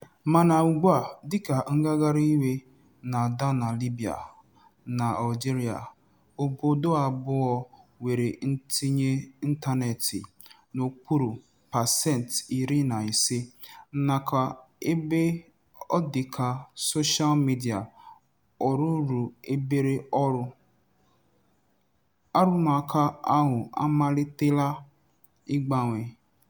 Mana ugbua, dịka ngagharị iwe na-ada na Libya na Algeria – obodo abụọ nwere ntinye ịntaneetị n'okpuru 15% nakwa ebe ọ dị ka soshal midịa ọ rụrụ obere ọrụ - arụmụka ahụ amalitela ịgbanwe.